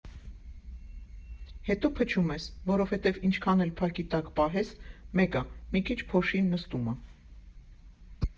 Հետո փչում ես, որովհետև ինչքան էլ փակի տակ պահես, մեկ ա՝ մի քիչ փոշի նստում ա։